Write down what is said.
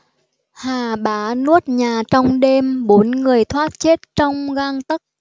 hà bá nuốt nhà trong đêm bốn người thoát chết trong gang tấc